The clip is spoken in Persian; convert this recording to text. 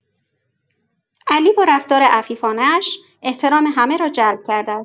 علی با رفتار عفیفانه‌اش احترام همه را جلب کرده است.